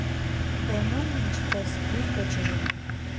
Բեմում՝ ինչպես ձուկը ջրում։